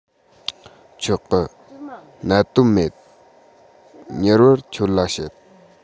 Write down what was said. གཉིས ཡོད